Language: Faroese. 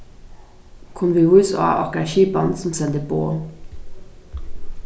kunnu vit vísa á okkara skipan sum sendir boð